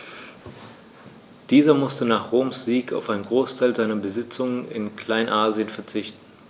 Dieser musste nach Roms Sieg auf einen Großteil seiner Besitzungen in Kleinasien verzichten.